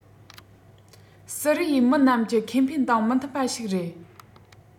སི རི ཡའི མི རྣམས ཀྱི ཁེ ཕན དང མི མཐུན པ ཞིག རེད